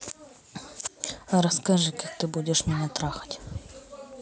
расскажи как ты будешь меня трахать